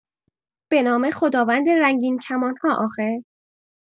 به نام خداوند رنگین‌کمان‌ها آخه؟